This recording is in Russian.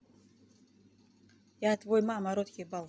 я твой мама рот ебал